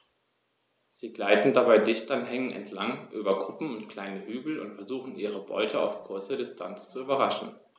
Sie gleiten dabei dicht an Hängen entlang, über Kuppen und kleine Hügel und versuchen ihre Beute auf kurze Distanz zu überraschen.